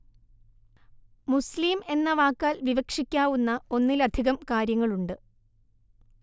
മുസ്ലിം എന്ന വാക്കാൽ വിവക്ഷിക്കാവുന്ന ഒന്നിലധികം കാര്യങ്ങളുണ്ട്